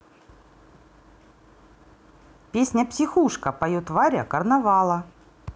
песня психушка поет варя карнавала